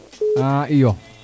a iyo